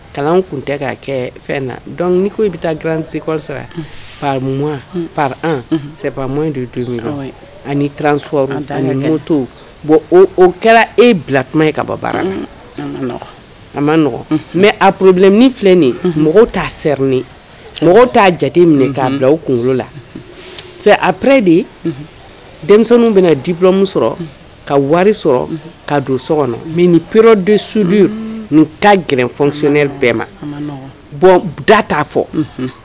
Kalan tun tɛ k' kɛ fɛn na nii ko i bɛ taa garansikɔ sɛp de don ani tran to bon o kɛra e bila kuma ye ka bɔ baara a ma mɛ a porobilɛini filɛ nin mɔgɔw t' serinen mɔgɔw t'a jate minɛ k kaa bila o kunkolo la ap de denmisɛn bɛna dilɔmuso sɔrɔ ka wari sɔrɔ ka don so kɔnɔ mɛ pereoro don sulu ni ta gɛlɛn fsɛ bɛɛ ma bɔn da t'a fɔ